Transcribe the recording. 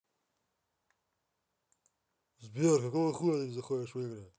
сбер какого хуя ты не заходишь в игры